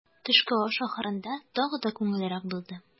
Төшке аш ахырында тагы да күңеллерәк булды.